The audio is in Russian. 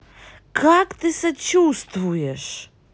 как ты сочувствуешь